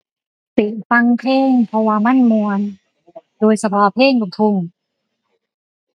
สิฟังเพลง เพราะว่ามันม่วน โดยเฉพาะเพลงลูกทุ่ง